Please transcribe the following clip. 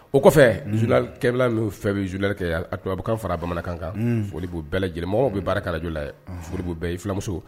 O kɔfɛ fɛ bɛ kɛ tu a bɛkan fara bamanankan kan foli b'u bɛɛ lajɛlen mɔgɔw bɛ baara kalajla folibu bɛɛ fulamuso